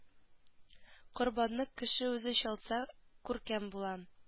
Корбанны кеше үзе чалса күркәм була